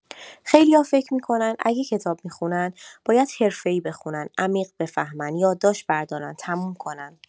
خیلی‌ها فکر می‌کنن اگه کتاب می‌خونن، باید حرفه‌ای بخونن، عمیق بفهمن، یادداشت بردارن، تموم کنن.